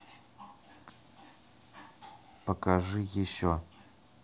покажи еще